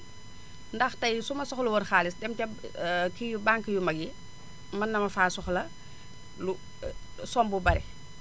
ndax tey su ma soxla woon xaalis dem ca kii banque yu mag yi mën na ma faa soxla lu somme bu bare